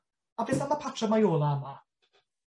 A beth am y patrymau ola yma?